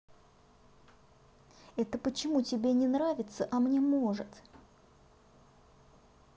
это почему тебе не нравится а мне может